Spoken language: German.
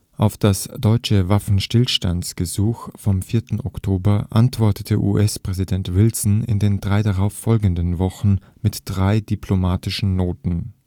Auf das deutsche Waffenstillstandsgesuch vom 4. Oktober antwortete US-Präsident Wilson in den drei darauf folgenden Wochen mit drei diplomatischen Noten